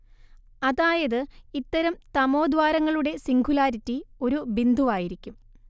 അതായത് ഇത്തരം തമോദ്വാരങ്ങളുടെ സിംഗുലാരിറ്റി ഒരു ബിന്ദുവായിരിക്കും